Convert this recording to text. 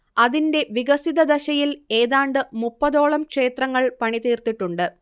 അതിന്റെ വികസിതദശയിൽ ഏതാണ്ട് മുപ്പതോളം ക്ഷേത്രങ്ങൾ പണിതീർത്തിട്ടുണ്ട്